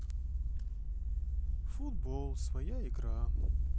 футбол своя игра